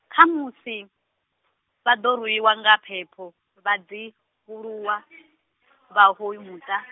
kha musi, vha ḓo rwiwa nga phepho vhadzivhuluwa, vha hoyu muṱa.